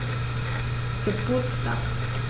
Geburtstag